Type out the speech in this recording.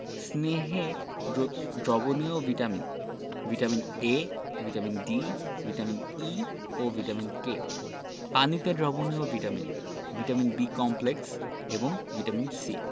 স্নেহে দ্র দ্রবণীয় vitamin vitamin A vitamin D vitamin E ও ভিটামিন K পানিতে দ্রবণীয় ভিটামিন ভিটামিন B কমপ্লেক্স এবং ভিটামিন C